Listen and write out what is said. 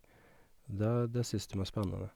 det Det syns dem er spennende.